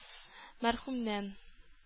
Мәрхүмнән